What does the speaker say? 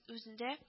Үзендә